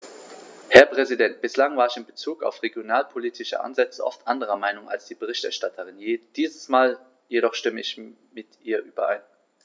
Herr Präsident, bislang war ich in Bezug auf regionalpolitische Ansätze oft anderer Meinung als die Berichterstatterin, diesmal jedoch stimme ich mit ihr überein.